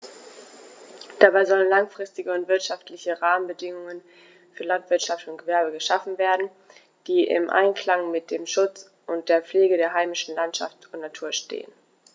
Dabei sollen langfristige und wirtschaftliche Rahmenbedingungen für Landwirtschaft und Gewerbe geschaffen werden, die im Einklang mit dem Schutz und der Pflege der heimischen Landschaft und Natur stehen.